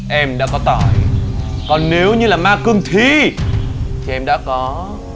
em đã có tỏi còn nếu như là ma cương thi thì em đã có